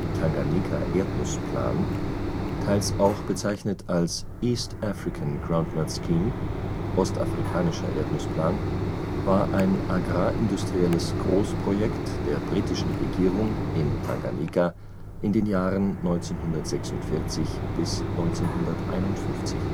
Tanganjika-Erdnuss-Plan, teils auch bezeichnet als East African Groundnut Scheme, Ostafrikanischer Erdnuss-Plan) war ein agrarindustrielles Großprojekt der britischen Regierung in Tanganjika in den Jahren 1946 bis 1951